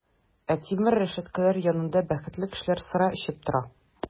Ә тимер рәшәткәләр янында бәхетле кешеләр сыра эчеп тора!